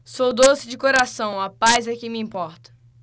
sou doce de coração a paz é que me importa